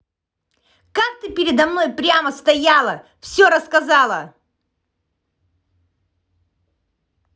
как ты передо мной прямо стояла все рассказала